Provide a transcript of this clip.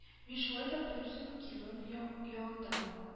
Мин шулай да берүзең килүең яң ягындама